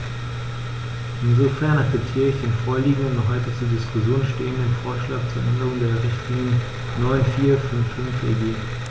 Insofern akzeptiere ich den vorliegenden und heute zur Diskussion stehenden Vorschlag zur Änderung der Richtlinie 94/55/EG.